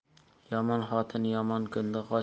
yomon xotin yomon kunda qochar